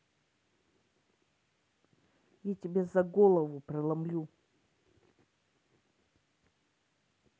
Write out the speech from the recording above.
я тебя за голову проломлю